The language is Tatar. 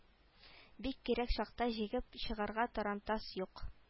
Бик кирәк чакта җигеп чыгарга тарантас юк